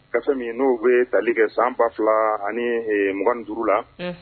Ka min n'o bɛ tali kɛ san ba fila ani m duuru la